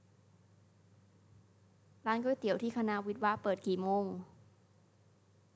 ร้านก๋วยเตี๋ยวที่คณะวิศวะเปิดกี่โมง